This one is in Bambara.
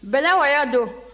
bɛlɛwɔyɔ don